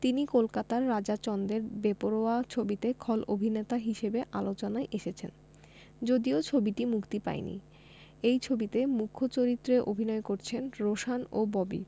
যিনি কলকাতার রাজা চন্দের বেপরোয়া ছবিতে খল অভিননেতা হিসেবে আলোচনায় এসেছেন যদিও ছবিটি মুক্তি পায়নি এই ছবিতে মূখ চরিত্রে অভিনয় করছেন রোশান ও ববি